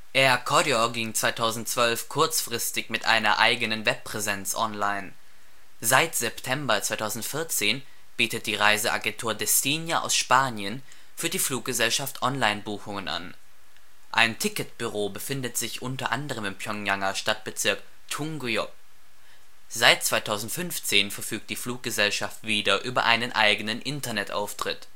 Air Koryo ging 2012 kurzfristig mit eigener Webpräsenz online. Seit September 2014 bietet die Reiseagentur Destinia aus Spanien für die Fluggesellschaft Online-Buchungen an. Ein Ticketbüro befindet sich u.a. im Pjöngjanger Stadtbezirk Chung-guyŏk. Seit 2015 verfügt die Fluggesellschaft wieder über einen eigenen Internetauftritt